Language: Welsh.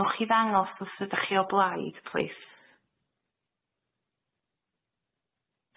Nwch chi ddangos os yda chi o blaid plîs.